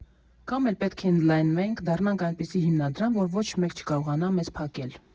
Կա՛մ էլ պետք է ընդլայնվենք, դառնանք այնպիսի հիմնադրամ, որ ոչ մեկ չկարողանա մեզ փակել.